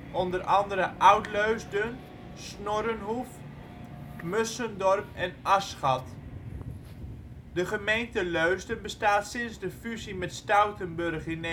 onder andere Oud-Leusden, Snorrenhoef, Musschendorp en Asschat. De gemeente Leusden bestaat sinds de fusie met Stoutenburg in 1969